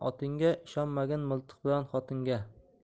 otingga ishonmagin miltiq bilan xotinga